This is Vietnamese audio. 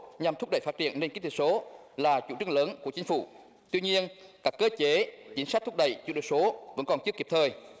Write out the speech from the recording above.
nhằm thúc đẩy phát triển nền kinh tế số là chủ trương lớn của chính phủ tuy nhiên các cơ chế chính sách thúc đẩy kinh tế số vẫn còn chưa kịp thời